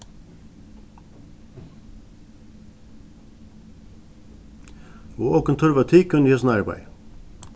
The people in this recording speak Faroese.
og okum tørvar tykum í hesum arbeiði